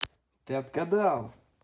ты отгадал